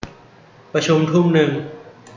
ประชุมทุ่มนึง